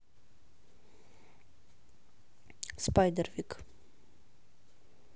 спайдервик